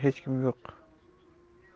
hech kim yo'q